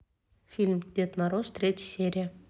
фильм дед мороз третья серия